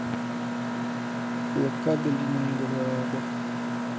блокада ленинграда